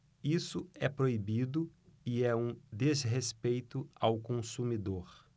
isso é proibido e é um desrespeito ao consumidor